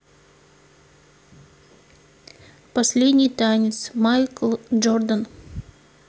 последний танец майкл джордан